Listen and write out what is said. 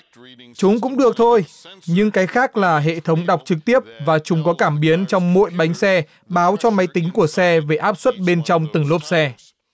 chúng cũng được thôi nhưng cái khác là hệ thống đọc trực tiếp và chúng có cảm biến trong mỗi bánh xe báo cho máy tính của xe với áp suất bên trong từng lốp xe